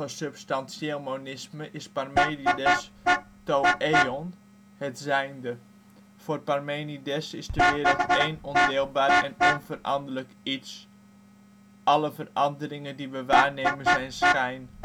substantieel monisme is Parmenides ' το εον (het zijnde). Voor Parmenides is de wereld één ondeelbaar en onveranderlijk iets, alle veranderingen die we waarnemen zijn